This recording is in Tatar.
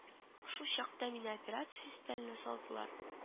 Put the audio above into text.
Шул чакта мине операция өстәленә салдылар